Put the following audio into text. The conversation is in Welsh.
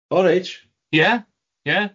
O reit... Ie. Ie.